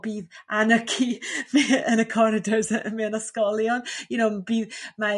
bydd anarchy fu- yn y córidors mewn ysgolion you know bydd mae